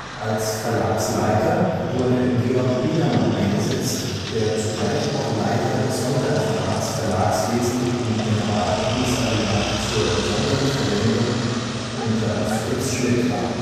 Als Verlagsleiter wurde Georg Biedermann eingesetzt, der zugleich auch Leiter des Sonderreferats Verlagswesen im Generalkommissariat zur besonderen Verwendung unter Fritz Schmidt war